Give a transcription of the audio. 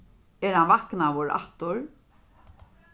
er hann vaknaður aftur